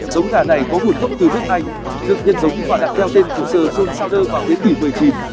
giống gà này có nguồn gốc từ nước anh được nhân giống và đặt theo tên của sir john saunder vào thế kỷ